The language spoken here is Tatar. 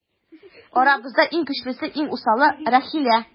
Арабызда иң көчлесе, иң усалы - Рәхилә.